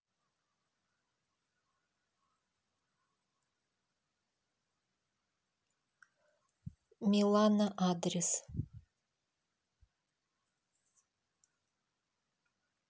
милана адрес